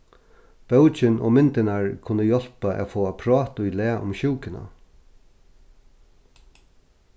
bókin og myndirnar kunnu hjálpa at fáa prát í lag um sjúkuna